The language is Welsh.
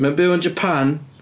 Mae'n byw yn Japan.